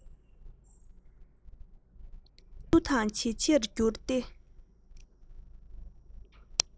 ཇེ ཐུ དང ཇེ ཆེར གྱུར ཏེ